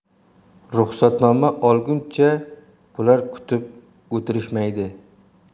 ruxsatnoma olguncha bular kutib o'tirishmaydi